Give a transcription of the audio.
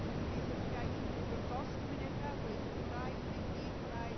Ma' Cymdeithas yr Iaith yn brwydro dros gymunedau, boed Gymraeg neu'n ddi-Gymraeg,